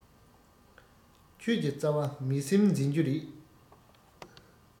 ཆོས ཀྱི རྩ བ མི སེམས འཛིན རྒྱུ རེད